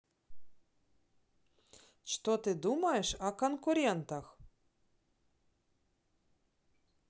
что ты думаешь о конкурентах